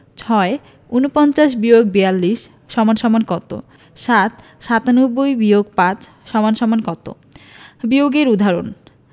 ৬ ৪৯-৪২ = কত ৭ ৯৭-৫ = কত বিয়োগের উদাহরণঃ